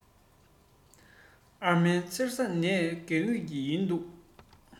ཨ མའི མཚེར ས ནས རྒས མུས ཡིན དུས